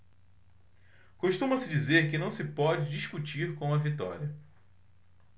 costuma-se dizer que não se pode discutir com a vitória